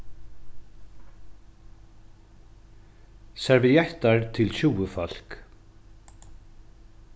serviettar til tjúgu fólk